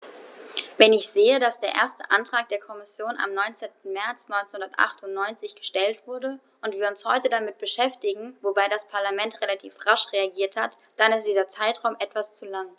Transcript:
Wenn ich sehe, dass der erste Antrag der Kommission am 19. März 1998 gestellt wurde und wir uns heute damit beschäftigen - wobei das Parlament relativ rasch reagiert hat -, dann ist dieser Zeitraum etwas zu lang.